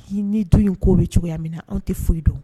' ni du in k' bɛ cogoya min na anw tɛ foyi dɔn